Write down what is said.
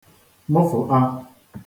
mụfụṭa